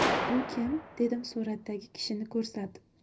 bu kim dedim suratdagi kishini ko'rsatib